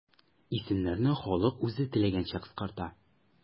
Исемнәрне халык үзе теләгәнчә кыскарта.